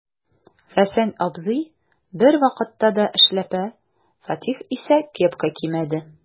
Хәсән абзый бервакытта да эшләпә, Фатих исә кепка кимәде.